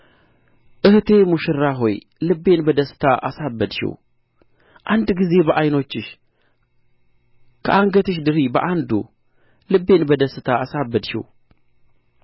እኅቴ ሙሽራ ሆይ ልቤን በደስታ አሳበድሽው አንድ ጊዜ በዓይኖችሽ ከአንገትሽ ድሪ በአንዱ ልቤን በደስታ አሳበድሽው